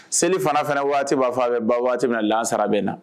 Selifana fɛnɛ waati b'a fɔ a bɛ ban waati minna lansara bɛna